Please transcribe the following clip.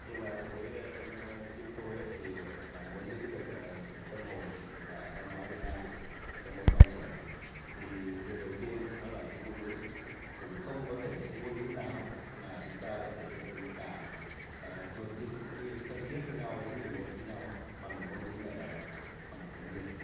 nhưng mà với riêng tôi thì là muốn giữ được tâm hồn và văn hóa việt nam trong mỗi con trẻ thì điều đầu tiên nó là ở cái ngôn ngữ bởi vì không có thể có ngôn ngữ nào mà chúng ta lại thể hiện tình cảm ruột thịt cũng như thân thiết với nhau giữa người việt với nhau bằng ngôn ngữ mẹ đẻ bằng tiếng việt